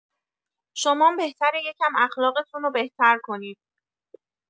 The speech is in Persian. شمام بهتره یکم اخلاقتون بهتر کنید